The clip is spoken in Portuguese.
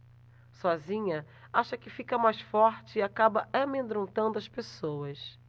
sozinha acha que fica mais forte e acaba amedrontando as pessoas